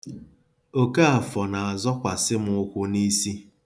Okafọ na-azọkwasị m ụkwụ n'isi